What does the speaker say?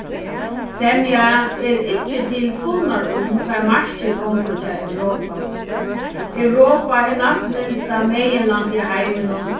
semja er ikki til fulnar um hvar markið gongur hjá europa europa er næstminsta meginlandið í heiminum